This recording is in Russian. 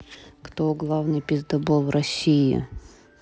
кто главный пиздобол в россии